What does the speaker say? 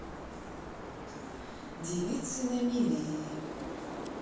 девицы на мели